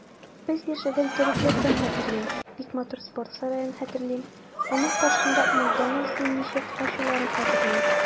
Без яшәгән төрек йортын хәтерлим, бик матур спорт сараен хәтерлим, аның каршында "Макдоналдс"ны ничек ачуларын хәтерлим.